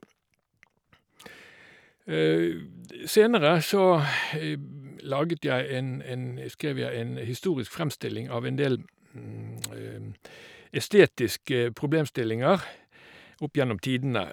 Senere så laget jeg en en e skrev jeg en historisk fremstilling av en del estetiske problemstillinger opp gjennom tidene.